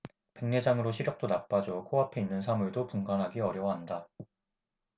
백내장으로 시력도 나빠져 코 앞에 있는 사물도 분간하기 어려워한다